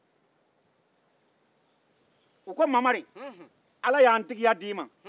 u ko mamari ala y'an tigiya di i ma